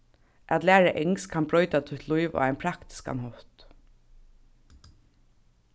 at læra enskt kann broyta títt lív á ein praktiskan hátt